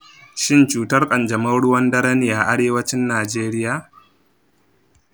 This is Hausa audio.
shin cutar kanjamau ruwan dare ne a arewacin najeriya?